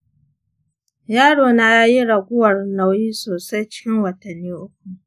yaro na ya yi raguwar nauyi sosai cikin watanni uku.